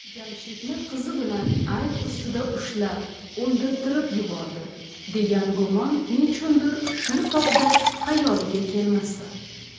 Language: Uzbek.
jamshidni qizi bilan ayb ustida ushlab o'ldirtirib yubordi degan gumon nechundir shu tobda xayoliga kelmasdi